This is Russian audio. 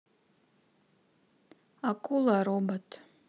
акула робот